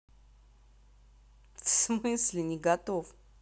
всмысле не готов